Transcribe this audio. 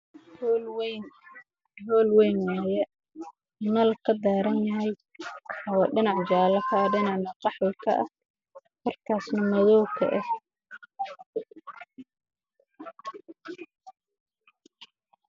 Waa hool weyn nal kadaaran yahay